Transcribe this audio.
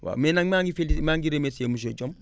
waaw mais nag maa ngi féli maa ngi remercié monsieur Diome